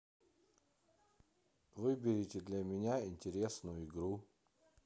выбери для меня интересную игру